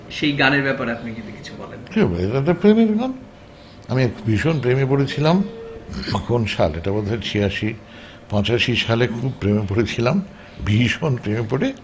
সেই গানের ব্যাপারে আপনি যদি কিছু বলেন কি বলবো এটা একটা প্রেমের গান আমি ভীষণ প্রেমে পড়েছিলাম কোন সাল এটা বোধহয় ৮৬ ৮৫ সালে খুব প্রেমে পড়েছিলাম ভীষণ প্রেমে পড়ে